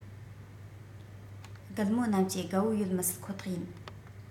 རྒད མོ རྣམས ཀྱི དགའ བོ ཡོད མི སྲིད ཁོ ཐག ཡིན